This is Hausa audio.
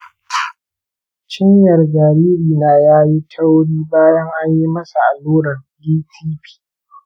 cinyar jaririna ta yi tauri bayan an yi masa allurar dtp.